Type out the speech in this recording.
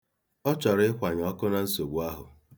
Ọ chọrọ ịkwanye ọkụ na nsogbu ahụ.